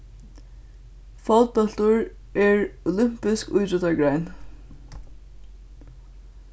fótbóltur er olympisk ítróttagrein